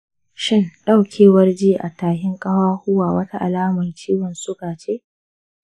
shin ɗaukewar ji a tafin ƙafafuwa wata alamar ciwon suga ce?